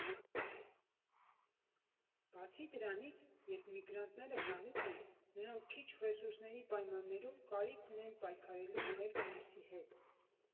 Բացի դրանից, երբ միգրանտները գալիս են, նրանք քիչ ռեսուրսների պայմաններում կարիք ունեն պայքարելու մեկը մյուսի հետ։